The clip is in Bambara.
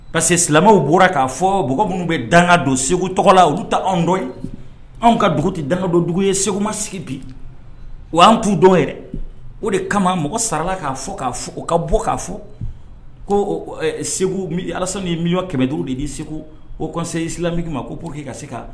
Parce que silamɛw bɔra k'a fɔ b minnu bɛ danga don segu tɔgɔ la olu ta anw dɔn yen anw ka dugu tɛ damadon dugu ye segu ma sigi bi o an t'u dɔ yɛrɛ o de kama mɔgɔ sarala k'a fɔ k'a fɔ o ka bɔ k'a fɔ ko segu ala ni min ɲɔ kɛmɛ duuru de' segu o kɔnsi min ma ko po que ka se ka